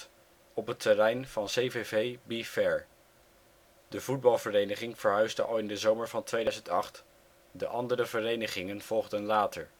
terrein van CVV Be Fair. De voetbalvereniging verhuisde al in de zomer van 2008, de andere verenigingen volgen later